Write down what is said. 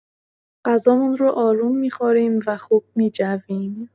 غذامون رو آروم می‌خوریم و خوب می‌جویم.